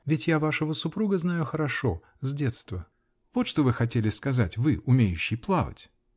ведь я вашего супруга знаю хорошо, с детства !" Вот что вы хотели сказать, вы, умеющий плавать!